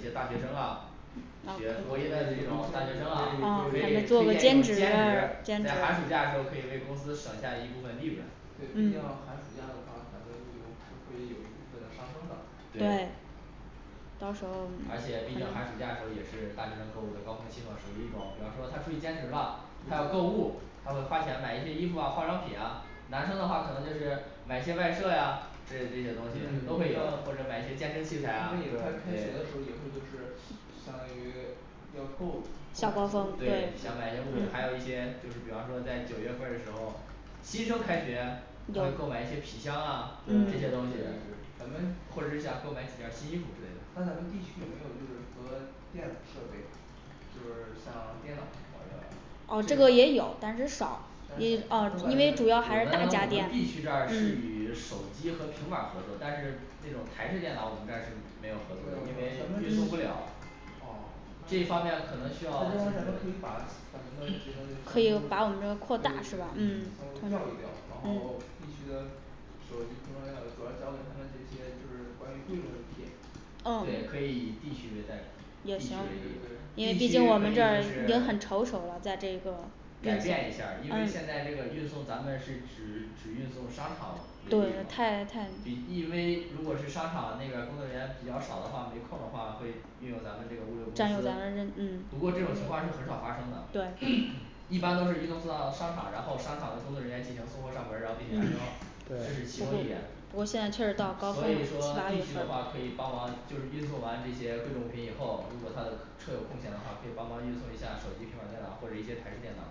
些大学生啊一些播音的这种大学生啊啊可以推荐一做个种兼兼职职，兼职在寒暑假的时候可以为公司省下一部分利润对。对毕竟嗯寒暑假的话，咱们这个是会有一部分的上升对对的到时候而且毕竟寒暑假的时候也是大学生购物的高峰期嘛，属于一种比方说他出去兼职了，他要购物，他会花钱买一些衣服啊化妆品啊，男生的话可能就是买一些外设啊，之类的这些东西都会有嗯，或者买一些健身器开开学的时候材呀对也会就是相当于要购下高峰购买一想些买一些物品，还有一些就是比方说在九月份儿的时候。新生开学他会购买一些皮箱对对对咱们啊，这些东西或者是想购买几件儿新衣服之类那的，咱们D区有没有就是和电子设备就是像电脑啊什么的这个也有但是少但是我一啊感因为主我们我们要觉还是大家电嘛 B区这儿是嗯与手机和平板儿合作，但是那种台式电脑我们这儿是没没有有合合作作的咱，因为运送不们了嗯哦那那这边儿咱们可以把咱们的对对对然后调一调，然这方面可能需要 可以把我们这个扩大是吧？嗯嗯嗯后 B区的。 手机什么主要交给他们这些就是关于贵重物品嗯对可以以D区为代表对也 D 区行为因为例对对毕 D 区可以竟我们这儿已经很就是成熟了在这个嗯啊改变一下儿因为现在这个运送咱们是只只运送商场为例对太嘛太，一微，如果是商场那边儿工作人员比较少的话，没空儿的话会运用咱们这个物流公占用咱的人嗯司，不过这种情况是很少发生的对， 一般都是移动送到商场，然后商场的工作人员进行送货上门儿，然后进行安 装。这是其中对一点，不过所现在确实到高峰以说D区的话可以帮忙就是运送完这些贵重品以后，如果他的车有空闲的话，可以帮忙运送一下手机、平板电脑或者一些台式电脑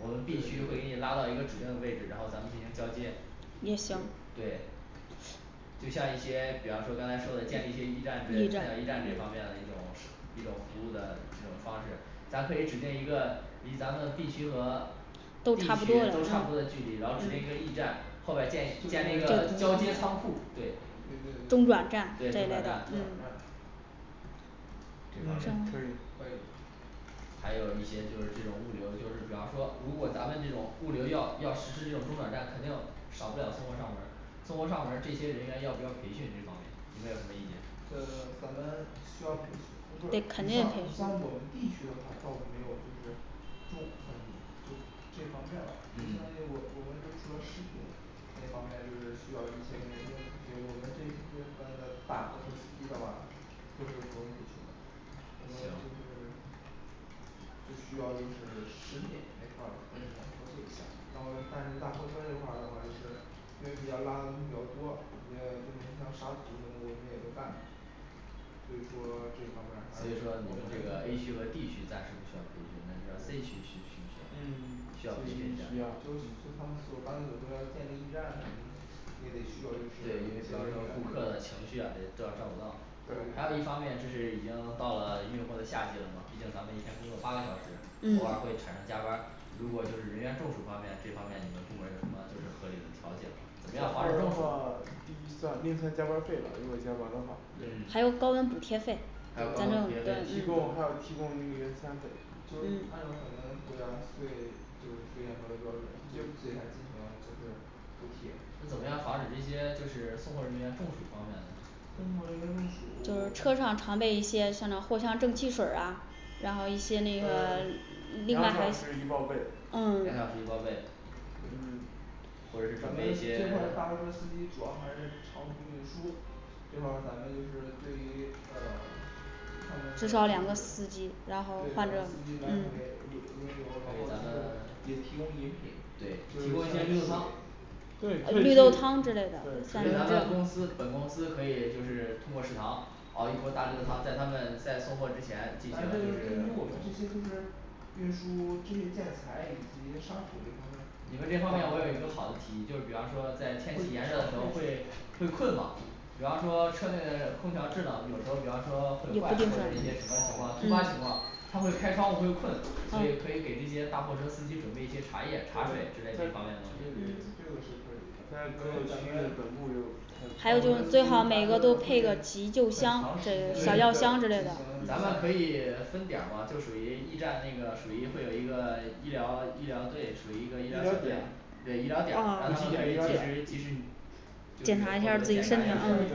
我们B区会给你拉到一个指定的位置，然后咱们进行交接也行对就像一些比方说刚才说的建立一些驿驿站之类的站菜鸟驿站这方面的一种社 一种服务的一种方式，咱可以指定一个离咱们B区和都 D 区都差差不不多多的的距离，然后嗯指定一个驿站，后面建一建立一个交接对仓库，对对。对对中中中转转转站站站嗯这方嗯可以可以面嗯还有一些就是这种物流，就是比方说如果咱们这种物流要要实施这种中转站，肯定少不了送货上门儿。送货上门儿这些人员要不要培训，这方面有没有什么意呃见？咱们需要不是对你肯像定培你训像我们D区的话倒是没有就是中嗯这这方面吧相当于我嗯我们就主要是做另一方面就是需要一些我们这一部分大货车司机的话，都是不用培训的咱们就是行就需要就是食品那块儿再给咱交互一下儿然后但是大货车这块儿的话，就是因为比较拉的东西比较多，我们那个是你像沙土我们也都干着所以说这一方面儿还所是以说我你们们就这是，个嗯 A 区就和D区暂时不需要培训那就让C区需嗯需不需 C 区要培训需要培不需训一要下，说他们所刚所说的建立驿站啊什么的也得需要就是，对对因为主要这个顾客的情绪啊得都要照顾到还有一方面就是已经到了运货的夏季了嘛，毕竟咱们一天工作八个小时，偶尔会产嗯生加班儿。如果就是人员中暑方面，这方面你们部门儿有什么就是合理的调节怎么样防止的中暑话第一算另算加班儿费如果加班儿的话还嗯有高温补贴费还有提供还有提供给人送货就是按照咱们嗯国家最就是最严格的标准，就对他进行就是补贴那，怎送么样防止这些就是送货货人人员员中暑方面就的呢是中暑车上常备一些像那藿香正气水儿啊然后一些嗯两那个小时一报备嗯两小时一嗯报备或咱们者是准备一些这块儿的大货车司机主要还是长途运输这块儿咱们就是对于这个，他们的至对少两两个个司司机机，然来回后因为换有着嗯还有咱们给对提提供供一饮品，就是些绿豆汤对可以可绿以豆汤之属于咱类的，在咱们对公们司本公司可以就是通过食堂熬一锅大绿豆汤，在他们在送货之前进行但是就对于我们这是些就是运输建材以及商品你们这方面我有一个好的提议，比方说在天气炎热的时候会会困嘛比方说车内的空调制冷，有时候儿比方说会坏或者一些什嗯么情况突发情况，他会开窗户会困，所以可以给这啊些大货车司机对对对这个是准备一些茶叶茶水之类这方面的东西可以的，，在咱们各个区咱域们的总部有还有就是最好每个都配个急救箱就小药箱之类的可以分点儿吗？就属于驿站那个属于会有一个医疗医疗医队，属于一个医疗点。对医疗点儿疗点儿，让他们可以及啊时及时就是检检查查一一下下儿自己身咱咱们四四体嗯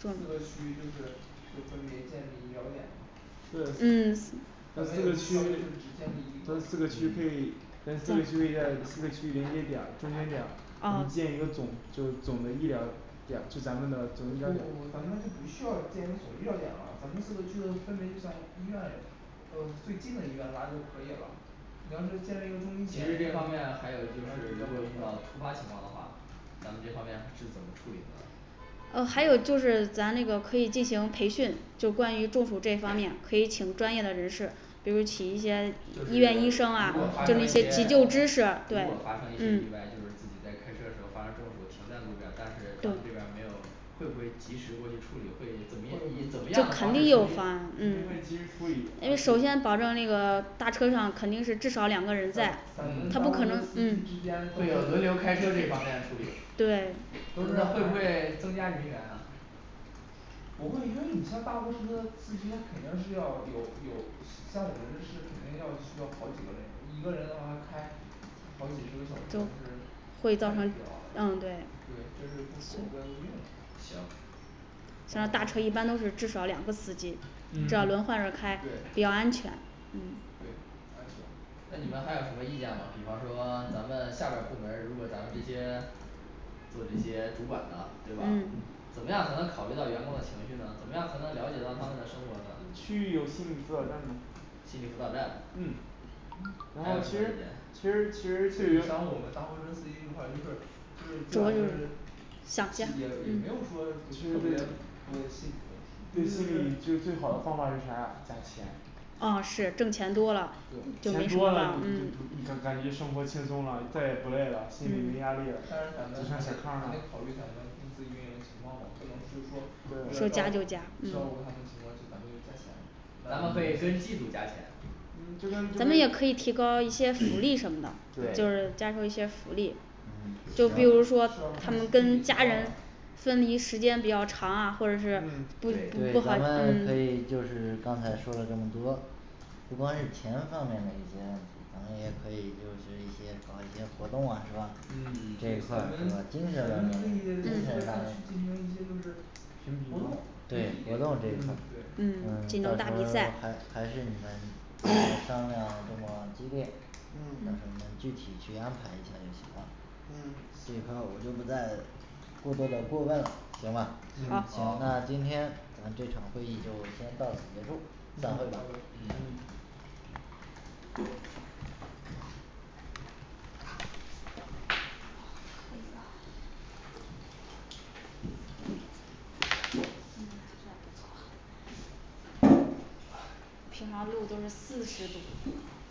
中个区就是就分别建立医疗点嗯对咱咱们四也个不区需要就是只建立一咱个四个区域可以嗯咱四个区域在四个区域连一个点儿中间点儿我啊们建一个总就总的医疗点儿就咱们的总咱医们疗点儿就不需要建一个总医疗点了咱们四个区的分别就像医院就最近的一个拉就可以了咱们这儿建立一个中其实心这点方面还有就是如果遇到突发情况的话，咱们这方面是怎么处理的呢？嗯还有就是咱那个可以进行培训，就关于中暑这方面可以请专业的人士，比如请一就是如果发生一些如果发生一些意外就是自些医院医生啊就是一些急救知识，对嗯己在开车的时候发生中暑停在路边儿，但是咱们这边儿没有会不会及时过去处理，会怎么样会以怎么样的这方肯式定处会理有方肯定可以案及时处理的而嗯且首先保证那个大车上肯定是至少两咱咱们大货车个人在嗯他不可能司机嗯之会有轮流间开车这方面处理对会不会增加人员啊不会因为你像大货车司机他肯定是要有有像我们这是肯定要是要跑几个钟头一个人的话开好几十个小时就是会会疲造成劳嗯对对这是不符合交通规定的行像大车一般都是至少两个司机，这样轮换着嗯开对比对较安安全全嗯那你们还有什么意见吗？比方说咱们下边儿部门儿如果咱们直接或者一些主管呐对吧？怎嗯么样才能考虑到员工的情绪呢，怎么样才能了解到他们的生活呢区心域理有心理辅辅导导站站吗？嗯然后其实其实其实对于像我们大货车司机这块儿就是就是最好就是想也家也嗯没有说其实最对对心理就是最好的方法是啥啊？加钱啊是挣钱多了嗯钱多了你就你感感觉生活轻松了，再也不累了，心里没压力对但是咱们考虑咱们得了嗯就升小康儿了考虑咱们公司运营情况了不能是说咱说加们就就加加嗯钱咱们可以跟季度加钱嗯就跟就咱跟们也可以提高一 对些福利什么的，就是加上一些福咱们需要看看利，就比如说他们具跟体情家况人分离时间比较长啊，或者是嗯不对不对好咱们可嗯以就是刚才说的这么多不光是钱方面的一些问题，咱们也可以就是一些搞一些活动啊是吧咱们咱们可以进行这一块嗯嗯是吧精神方面一些就精神上面是活动评对对活比动这一块儿嗯嗯嗯这对种到大时比候赛还还是你们商量这么激烈到时候嗯具体去安排一下就行了。这嗯一块儿我就不再过多的过问了，行吧好，那嗯今好天咱们这场会议就先到此结束，嗯散好会的吧嗯嗯平常录的都是四十多